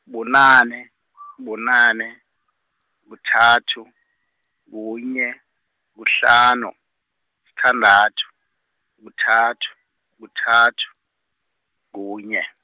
bunane , bunane, kuthathu, kunye, kuhlanu, sithandathu, kuthathu, kuthathu, kunye.